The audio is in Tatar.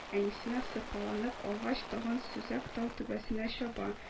Әнисенә сырпаланып алгач, тагын сөзәк тау түбәсенә чаба